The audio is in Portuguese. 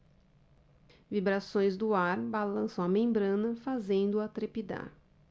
vibrações do ar balançam a membrana fazendo-a trepidar